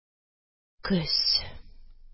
Көз